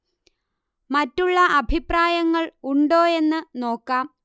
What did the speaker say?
മറ്റുള്ള അഭിപ്രായങ്ങൾ ഉണ്ടോ എന്ന് നോക്കാം